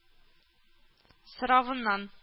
Соравыннан